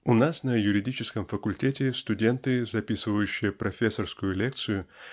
У нас на юридическом факультете студенты записывающие профессорскую лекцию